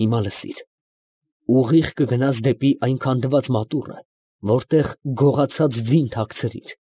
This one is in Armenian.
Հիմա լսիր։ Ուղիղ կգնաս դեպի այն քանդված մատուռը, որտեղ գողացած ձին թաքցրիր։